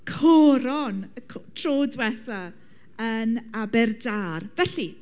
Coron, y co- tro diwetha yn Aberdâr. Felly...